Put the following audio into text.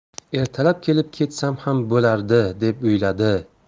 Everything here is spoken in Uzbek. ertalab kelib ketsam ham bo'lardi deb o'yladi